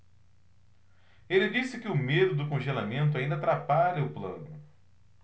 ele disse que o medo do congelamento ainda atrapalha o plano